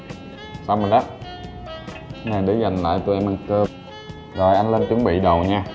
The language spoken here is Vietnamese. xong rồi đó cái này để dành lại tối em ăn cơm rồi anh lên chuẩn bị đồ nha